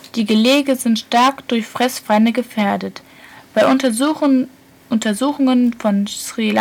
Die Gelege sind stark durch Fressfeinde gefährdet. Bei Untersuchungen auf Sri Lanka